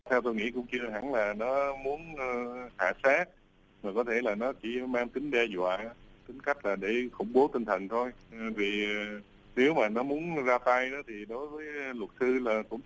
theo tôi nghĩ cũng chưa hẳn là nó muốn ơ khảo sát mới có thể là nó chỉ mang tính đe dọa tính cách và để khủng bố tinh thần rồi vì nếu mà nó muốn ra tay thì đối với luật sư là công